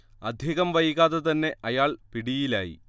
അധികം വൈകാതെ തന്നെ അയാൾ പിടിയിലായി